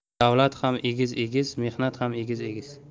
davlat ham egiz egiz mehnat ham egiz egiz